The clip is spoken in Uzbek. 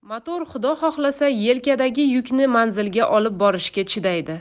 motor xudo xohlasa yelkadagi yukni manzilga olib borishga chidaydi